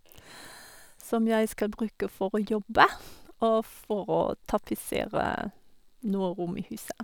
Som jeg skal bruke for å jobbe og for å tapetsere noe rom i huset.